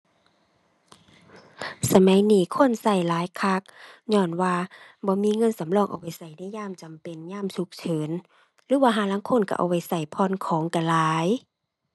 สมัยนี้คนใช้หลายคัก ญ้อนว่าบ่มีเงินสำรองเอาไว้ใช้ในยามจำเป็น ยามฉุกเฉิน หรือว่าห่าลางคนใช้เอาไว้ใช้ผ่อนของใช้หลาย